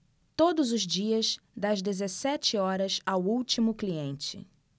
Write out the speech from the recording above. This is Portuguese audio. todos os dias das dezessete horas ao último cliente